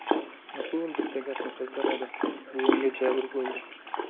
nuqul bitta gapni qaytaradi buvangga jabr bo'ldi